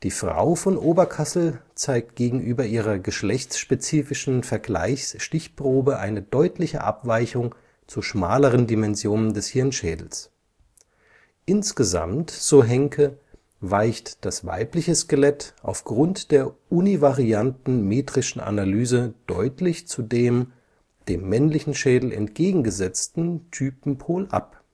Frau von Oberkassel zeigt gegenüber ihrer geschlechtsspezifischen Vergleichsstichprobe eine deutliche Abweichung zu schmaleren Dimensionen des Hirnschädels. „ Insgesamt “, so Henke, „ weicht das weibliche Skelett aufgrund der univarianten metrischen Analyse deutlich zu dem – dem männlichen Schädel entgegengesetzten – Typenpol ab